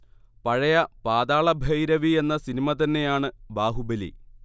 പഴയ പാതാളഭൈരവി എന്ന സിനിമ തന്നെയാണു ബാഹുബലി